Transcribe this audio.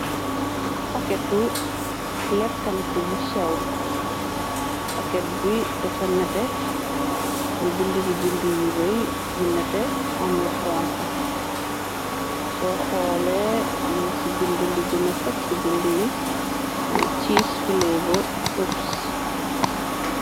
Paketu leekan tu bu sew, paket bi dafa nétte ñu bind ci bind yu rëy bu nétte am lu xonko. Soo xoole, ñun ci bind li ganë fës si bindë yi mooy ciis filebo hoops.